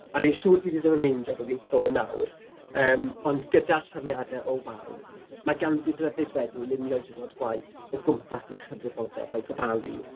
A rwy'n siŵr bydd hi ddim yn meindio pa fi'n sôn nawr, yym ond gyda'r trefniadau OWOW mae ganddi ryddid wedyn i lunio'i diwrnod gwaith o gwmpas ei chyfrifoldeb a'i gofalu.